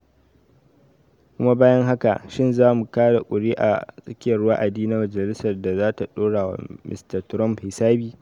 Kuma bayan haka, shin za mu kaɗa kuri’a a tsakiyar wa’adi na Majalisar da za ta ɗora wa Mista Trump hisabi?